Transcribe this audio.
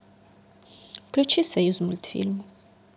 включи союзмультфильм